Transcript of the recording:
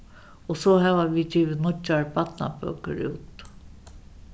og so hava vit givið nýggjar barnabøkur út